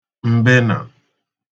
m̀benà